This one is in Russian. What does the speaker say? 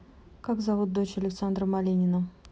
как зовут дочь александра малинина